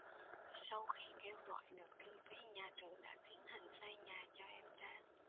sau khi kêu gọi được kinh phí nhà trường đã tiến hành xây nhà cho em trang